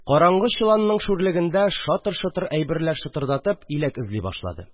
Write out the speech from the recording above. Караңгы чоланның шүрлегендә шатыр-шотыр әйберләр шотырдатып, иләк эзли башлады